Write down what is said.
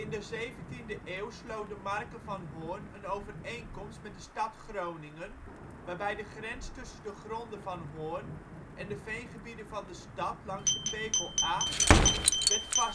de zeventiende eeuw sloot de marke van Hoorn een overeenkomst met de stad Groningen waarbij de grens tussen de gronden van Hoorn en de veengebieden van de stad langs de Pekel Aa werd vestgelegd